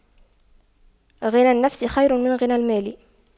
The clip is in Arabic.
غنى النفس خير من غنى المال